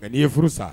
N'i ye furu san